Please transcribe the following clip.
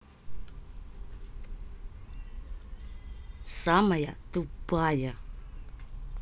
самая тупая